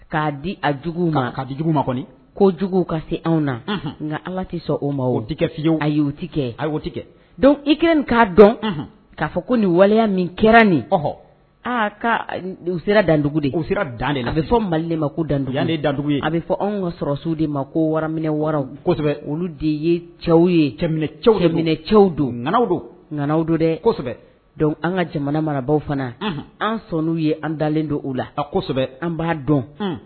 K'a di a jugu ma ka di jugu ma kɔni ko jugu ka se anw na nka ala tɛ sɔn o ma o di kɛfiye a ye'o tɛ kɛo kɛ dɔn i kɛ k'a dɔn k'a fɔ ko nin waleya min kɛra nin ɔɔ aa ka u sera dandugu de ko sira dan a bɛ fɔ malile ma ko dandugu an dandugu ye a bɛ fɔ anw ka sɔrɔsiw de ma ko waraminɛ wara kosɛbɛ olu de ye cɛw ye cɛw minɛ cɛw don don ŋ don dɛsɛbɛ an ka jamana marabagaw fana an sɔn'u ye an dalen don o la a kosɛbɛ an b'a dɔn